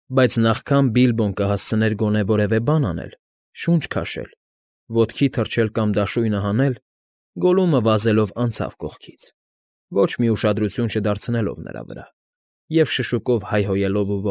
Բայց նախքան Բիլբոն կհասցներ գոնե որևէ բան անել՝ շունչ քաշել, ոտքի թռչել կամ դաշույնը հանել, Գոլլումը վազելով անցավ կողքից, ոչ մի ուշադրություն չդարձնելով նրա վրա և շշուկով հայհոյելով ու։